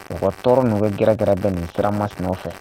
Mɔgɔ tɔɔrɔ ninnu bɛ gɛrɛgɛrɛ bɛɛ nɔfɛ.